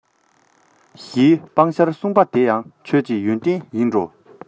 ཞེས སྤང བྱར གསུངས པ དེ ཡང ཁྱོད ཀྱི ཡོན ཏན ཡིན འགྲོ